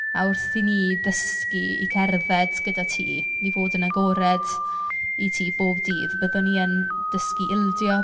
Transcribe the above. A wrth i ni ddysgu i cerdded gyda ti i fod yn agored i ti bob dydd, fyddwn ni yn dysgu ildio.